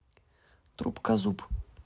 трубка зуб